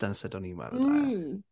Dyna sut o'n i'n weld e... mm.